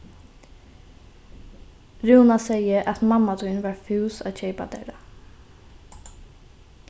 rúna segði at mamma tín var fús at keypa tær tað